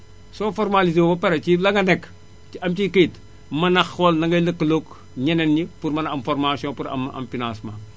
soo formaliizewoo ba pare ci la nga nekk ci am ciy kayit mën a xool na ngay lëkkaloog ñeneen ñi pour mën a am formation pour am financement